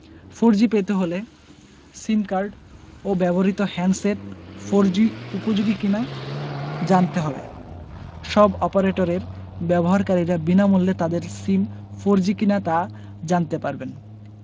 four G পেতে হলে sim card ও ব্যবহৃত হ্যান্ডসেট ফোরজি উপযোগী কিনা জানতে হবে সব অপারেটরের ব্যবহারকারীরা বিনামূল্যে তাদের সিম ফোরজি কিনা তা জানতে পারবেন